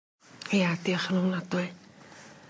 ia diolch yn y ofnadwy.